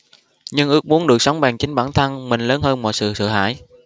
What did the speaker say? nhưng ước muốn được sống bằng chính bản thân mình lớn hơn mọi sự sợ hãi